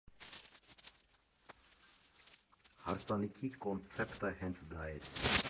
Հարսանիքի կոնցեպտը հենց դա էր.